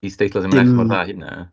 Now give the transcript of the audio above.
Isdeitlau ddim yn edrych mor dda â hynna.